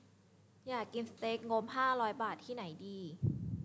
อยากกินสเต็กงบห้าร้อยบาทที่ไหนดี